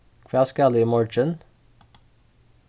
hvat skal eg í morgin